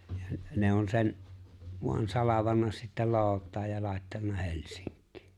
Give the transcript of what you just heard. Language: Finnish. ja ne on sen vain salvannut sitten lootaan ja laittanut Helsinkiin